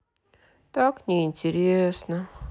так неинтересно